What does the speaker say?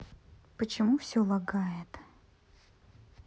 почему все лагает